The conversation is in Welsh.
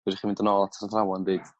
fedrwch chi mynd yn ôl at athrawon a deud